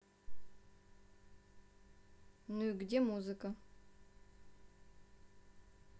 ну и где музыка